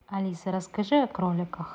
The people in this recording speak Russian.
алиса расскажи о кроликах